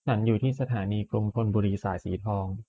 ฉันอยู่ที่สถานีกรุงธนบุรีสายสีทอง